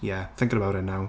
Yeah, thinking about it now.